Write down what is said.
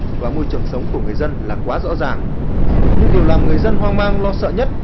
và môi trường sống của người dân là quá rõ ràng nhưng điều làm người dân hoang mang lo sợ nhất